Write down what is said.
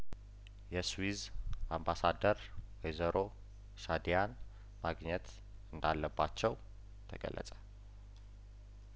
የስዊዝ አምባሳደር ወይዘሮ ሻዲያን ማግኘት እንዳለባቸው ተገለጸ